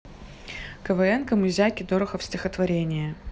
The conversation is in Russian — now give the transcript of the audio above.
квн камызяки дорохов стихотворение